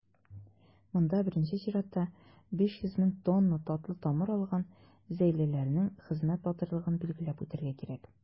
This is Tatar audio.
Монда, беренче чиратта, 500 мең тонна татлы тамыр алган зәйлеләрнең хезмәт батырлыгын билгеләп үтәргә кирәк.